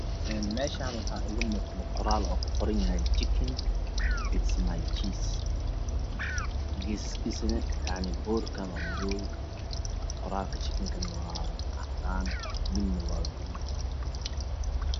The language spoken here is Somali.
Een meeshan waxaa iga muuqdo qoraal uu ku qoran yahay jikin it's my choice boorkan waa madoow qoralka jikinkana waa cadaan midna waa guduud